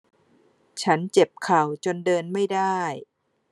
ฉันเจ็บเข่าจนเดินไม่ได้